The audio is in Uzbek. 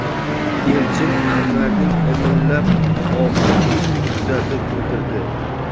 elchin anvarning imillab ovqat yeyishini kuzatib o'tirdi